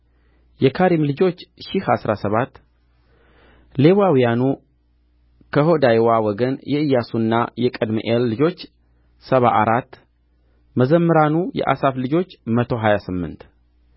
የካሪም ልጆች ሺህ አሥራ ሰባት ሌዋውያኑ ከሆዳይዋ ወገን የኢያሱና የቀድምኤል ልጆች ሰባ አራት መዘምራኑ የአሳፍ ልጆች መቶ ሀያ ስምንት